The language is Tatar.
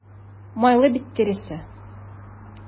Майлы бит тиресе.